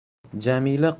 jamila qoli bilan